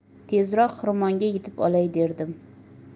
tezroq xirmonga yetib olay derdim